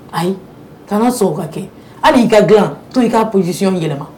Ayi kana sɔn ka kɛ hali'i ka g to i ka pzsi yɛlɛma